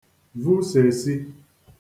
vusèsi